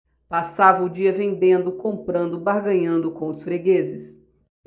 passava o dia vendendo comprando barganhando com os fregueses